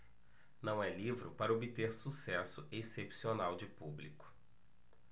não é livro para obter sucesso excepcional de público